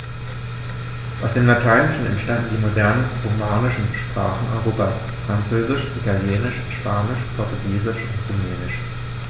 Aus dem Lateinischen entstanden die modernen „romanischen“ Sprachen Europas: Französisch, Italienisch, Spanisch, Portugiesisch und Rumänisch.